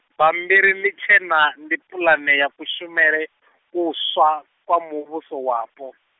bambiri ḽitshena ndi pulane ya kushumele, kutswa, kwa muvhuso wapo.